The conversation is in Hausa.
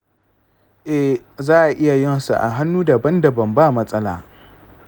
eh, za’a iya yin su a hannu daban daban bamatsala.